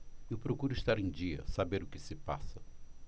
eu procuro estar em dia saber o que se passa